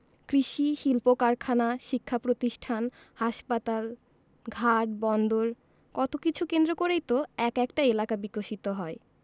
কৃষি শিল্পকারখানা শিক্ষাপ্রতিষ্ঠান হাসপাতাল ঘাট বন্দর কত কিছু কেন্দ্র করেই তো এক একটা এলাকা বিকশিত হয়